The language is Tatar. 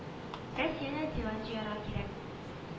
Бәс янә диван җыярга кирәк